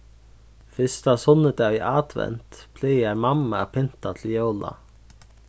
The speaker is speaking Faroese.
fyrsta sunnudag í advent plagar mamma at pynta til jóla